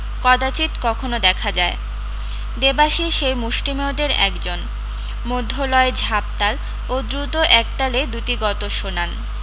কবচিত কখনো দেখা যায় দেবাশিস সেই মুষ্টিমেয়দের একজন মধ্যলয় ঝাঁপতাল ও দ্রুত একতালে দুটি গত শোনান